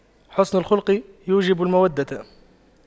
حُسْنُ الخلق يوجب المودة